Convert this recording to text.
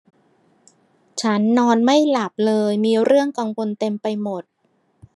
ฉันนอนไม่หลับเลยมีเรื่องกังวลเต็มไปหมด